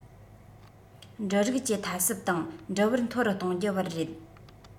འབྲུ རིགས ཀྱི ཐད གསབ དང འབྲུ བར མཐོ རུ གཏོང རྒྱུ བར རེད